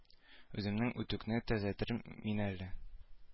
Үземнең үтүкне төзәтер мен әле